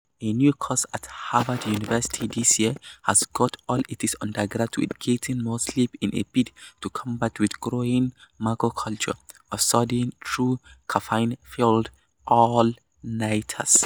A new course at Harvard University this year has got all its undergraduates getting more sleep in a bid to combat the growing macho culture of studying through caffeine-fueled 'all-nighters.'